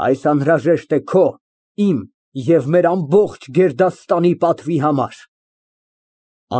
Այս անհրաժեշտ է քո, իմ և մեր ամբողջ գերդաստանի պատվի համար։